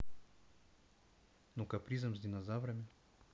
ну капризам с динозаврами